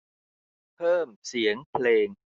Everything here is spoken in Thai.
เพิ่มเสียงเพลง